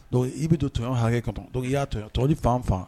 Don i bɛ to tɔɔn hakɛ kɔnɔ i y'a to tɔɔrɔ fanfan